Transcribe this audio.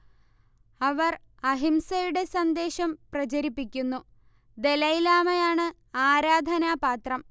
അവർ അഹിംസയുടെ സന്ദേശം പ്രചരിപ്പിക്കുന്നു ദലൈലാമയാണ് ആരാധനാപാത്രം